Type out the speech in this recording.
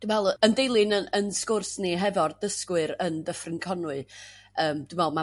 Dwi me'l yn dilyn yn yn sgwrs ni hefo'r dysgwyr yn Dyffryn Conwy yym dwi me'l ma'n